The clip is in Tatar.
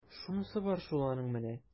Шунысы бар шул аның менә! ..